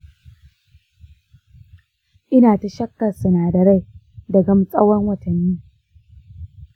ina ta shakar sinadarai da gam tsawon watanni.